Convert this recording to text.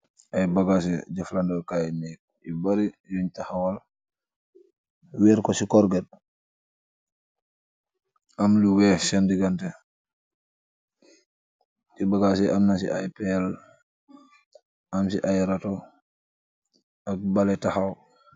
Ay bagasi jafando kay neg yu bari, yung taxawal werko si korget am lo weex sen digante, si bagas yi amna si ay pel, am si ay rato ak bale taxaw.